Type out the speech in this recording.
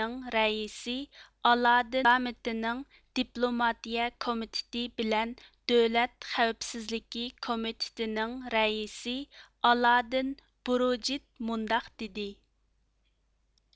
ئىران پارلامېنتىنىڭ دېپلوماتىيە كومىتېتى بىلەن دۆلەت خەۋپىسزلىكى كومىتېتىنىڭ رەئىسى ئالادىن بۇرۇجېد مۇنداق دېدى